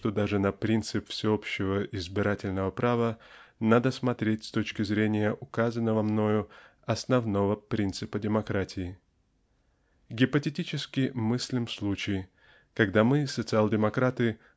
что даже на принцип всеобщего избирательного права надо смотреть с точки зрения указанного мною основного принципа демократии. Гипотетически мыслим случай когда мы социал-демократы